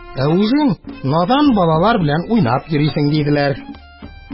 Ә үзең надан балалар белән уйнап йөрисең, – диделәр.